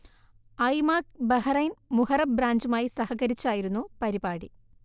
ഐമാക്ക് Bahrain Muharraq ബ്രാഞ്ചുമായി സഹകരിച്ചായിരുന്നു പരിപാടി